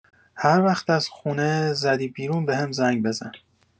هر وقت از خونه زدی بیرون بهم زنگ بزن.